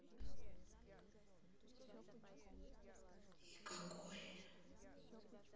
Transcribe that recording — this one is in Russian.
и какой